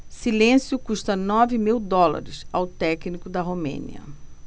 silêncio custa nove mil dólares ao técnico da romênia